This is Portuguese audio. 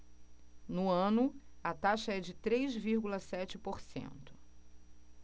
no ano a taxa é de três vírgula sete por cento